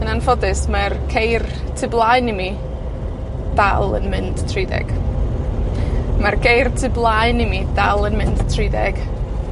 yn anffodus, mae'r ceir tu blaen i mi dal yn mynd tri deg. Mae'r geir tu blaen i mi dal yn mynd tri deg.